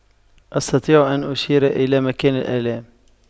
أستطيع أن أشير إلى مكان الآلام